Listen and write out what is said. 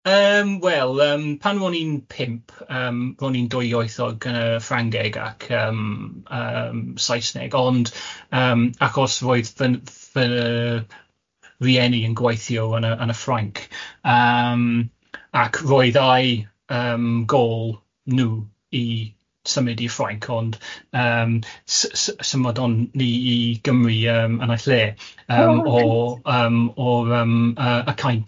Yym wel yym pan ro'n i'n pump, yym ro'n i'n dwyieithog yn y Ffrangeg ac yym yym Saesneg ond yym achos roedd fy n- fy n- rieni yn gwaithio yn y yn y Ffrainc, yym ac roedd ai yym gôl nw i symud i Ffrainc ond yym s- s- symudon ni i Gymru yym yn ai lle... O reit. ...yym o yym o'r yym yy y caint.